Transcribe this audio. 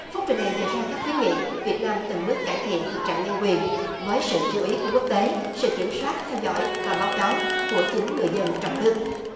phúc trình này đề ra các khuyến nghị việt nam từng bước cải thiện thực trạng nhân quyền với sự chú ý của quốc tế sự kiểm soát theo dõi và báo cáo của chính người dân trong nước